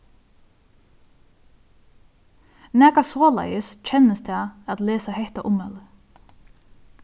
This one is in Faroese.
nakað soleiðis kennist tað at lesa hetta ummæli